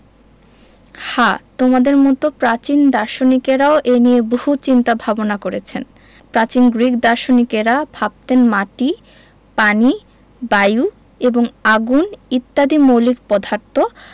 হ্যাঁ তোমাদের মতো প্রাচীন দার্শনিকেরাও এ নিয়ে বহু চিন্তাভাবনা করেছেন প্রাচীন গ্রিক দার্শনিকেরা ভাবতেন মাটি পানি বায়ু এবং আগুন ইত্যাদি মৌলিক পদার্থ